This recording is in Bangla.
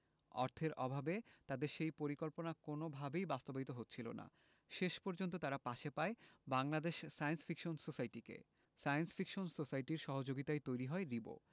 অর্থের অভাবে তাদের সেই পরিকল্পনা কোনওভাবেই বাস্তবায়িত হচ্ছিল না শেষ পর্যন্ত তারা পাশে পায় বাংলাদেশ সায়েন্স ফিকশন সোসাইটিকে সায়েন্স ফিকশন সোসাইটির সহযোগিতায়ই তৈরি হয় রিবো